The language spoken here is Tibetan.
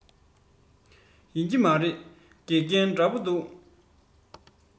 ཡིན གྱི མ རེད དགེ རྒན འདྲ པོ འདུག